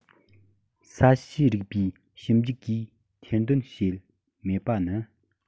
ས གཤིས རིག པའི ཞིབ འཇུག གིས ཐེར འདོན བྱས མེད པ ནི